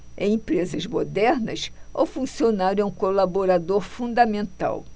em empresas modernas o funcionário é um colaborador fundamental